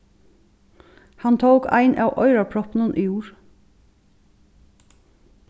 hann tók ein av oyraproppunum úr